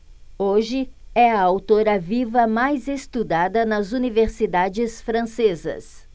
hoje é a autora viva mais estudada nas universidades francesas